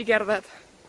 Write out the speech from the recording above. i gerddad.